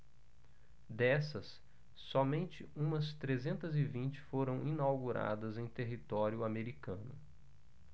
dessas somente umas trezentas e vinte foram inauguradas em território americano